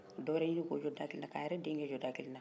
ka don wɛrɛ ɲinin k'o jɔ dakelen na k'a yɛrɛ denkɛ jɔ dakelen na